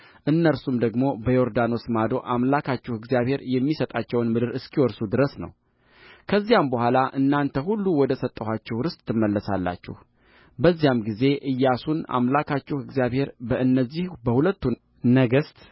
እነርሱም ደግሞ በዮርዳኖስ ማዶ አምላካችሁ እግዚአብሔር የሚሰጣቸውን ምድር እስኪወርሱ ድረስ ነው ከዚያም በኋላ እናንተ ሁሉ ወደ ሰጠኋችሁ ርስት ትመለሳላችሁበዚያም ጊዜ ኢያሱን አምላካችሁ እግዚአብሔር በእነዚህ በሁለቱ ነገሥት